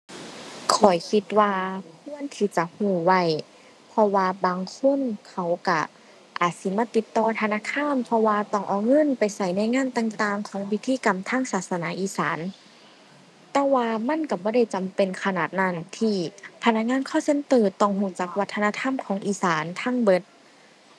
เดี๋ยวนี้คนบ่ได้เบิ่ง TV แล้ว เขาเบิ่งในโทรศัพท์ เลือกเบิ่งได้ตามใจ